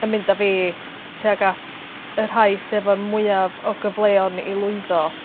yn mynd â fi tuag at y rhai sy efo'r mwyaf o gyfleon i lwyddo